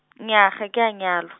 nyaa, ga ke a nyalwa.